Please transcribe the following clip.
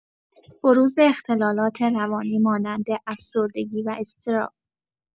بروز اختلالات روانی مانند افسردگی و اضطراب